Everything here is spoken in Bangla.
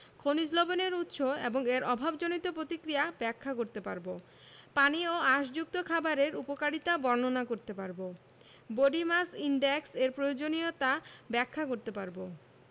⦁ খনিজ লবণের উৎস এবং এর অভাবজনিত প্রতিক্রিয়া ব্যাখ্যা করতে পারব ⦁ পানি ও আশযুক্ত খাবারের উপকারিতা বর্ণনা করতে পারব ⦁ বডি মাস ইনডেক্স এর প্রয়োজনীয়তা ব্যাখ্যা করতে পারব